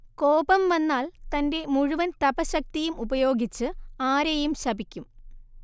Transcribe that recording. കോപം വന്നാൽ തന്റെ മുഴുവൻ തപഃശക്തിയും ഉപയോഗിച്ച് ആരെയും ശപിക്കും